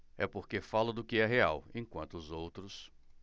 é porque falo do que é real enquanto os outros